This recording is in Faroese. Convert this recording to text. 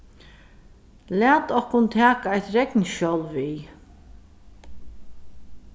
lat okkum taka eitt regnskjól við